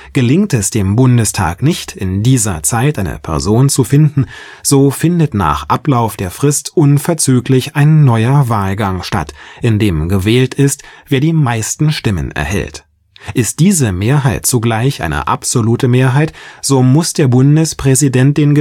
Gelingt es dem Bundestag nicht, in dieser Zeit eine Person zu wählen, so findet nach Ablauf der Frist unverzüglich ein neuer Wahlgang statt, in dem gewählt ist, wer die meisten Stimmen erhält. Ist diese Mehrheit zugleich eine absolute Mehrheit, so muss der Bundespräsident den